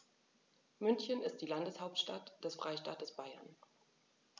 München ist die Landeshauptstadt des Freistaates Bayern.